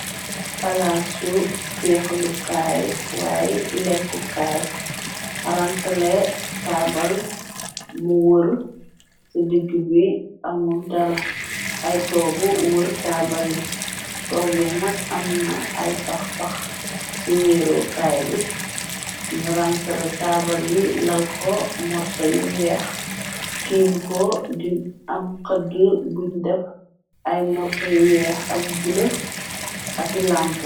palaa su fiix lu kaay waay lekku kaay rangsale taabal mu wër ci digg biy amul dara ay toogu wër taabal yi toog nag am na ay pax-pax ci wéeru kaay bi ñu rangsale taabal yi lal ko morso yu weex tiim ko di am xëdd buñ def ay morso yu weex ak bule ak làmp.